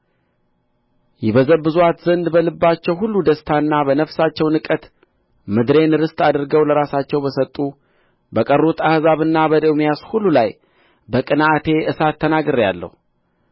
ይበዘብዙአት ዘንድ በልባቸው ሁሉ ደስታና በነፍሳቸው ንቀት ምድሬን ርስት አድርገው ለራሳቸው በሰጡ በቀሩት አሕዛብና በኤዶምያስ ሁሉ ላይ በቅንዓቴ እሳት ተናግሬአለሁ